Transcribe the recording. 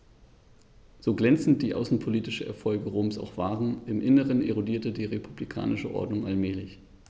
So glänzend die außenpolitischen Erfolge Roms auch waren: Im Inneren erodierte die republikanische Ordnung allmählich.